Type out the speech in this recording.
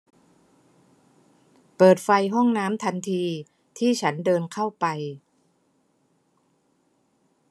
เปิดไฟห้องน้ำทันทีที่ฉันเดินเข้าไป